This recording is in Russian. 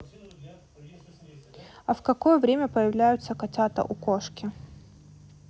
а в какое время появляются котята у кошки